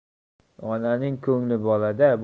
onaning ko'ngh bolada